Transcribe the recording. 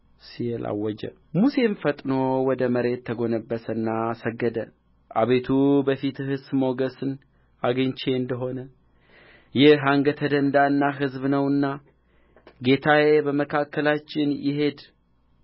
ሲል አወጀ ሙሴም ፈጥኖ ወደ መሬት ተጐነበሰና ሰገደ አቤቱ በፊትህስ ሞገስን አግኝቼ እንደ ሆነ ይህ አንገተ ደንዳና ሕዝብ ነውና ጌታዬ በመካከላችን ይሂድ